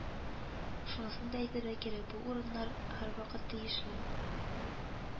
Шунысын да әйтергә кирәк, бу урыннар һәрвакыт тиешле